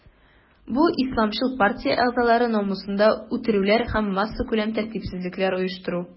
Бу исламчыл партия әгъзалары намусында үтерүләр һәм массакүләм тәртипсезлекләр оештыру.